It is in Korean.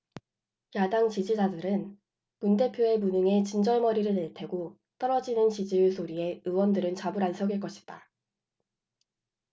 야당 지지자들은 문 대표의 무능에 진절머리를 낼 테고 떨어지는 지지율 소리에 의원들은 좌불안석일 것이다